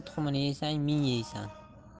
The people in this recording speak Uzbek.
tuxumini yesang ming yeysan